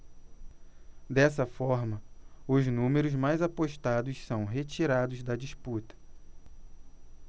dessa forma os números mais apostados são retirados da disputa